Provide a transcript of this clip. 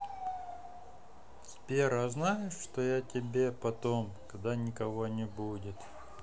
сбер а знаешь что я тебе потом когда никого не будет